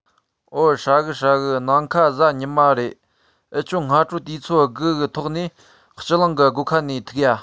འོ ཧྲ གི ཧྲ གི ནིང ཁ གཟའ ཉི མ རེད འུ ཆོ སྔ དྲོ དུས ཚོད དགུ གི ཐོག ནས སྤྱི གླིང གི སྒོ ཁ ནས ཐུག ཡ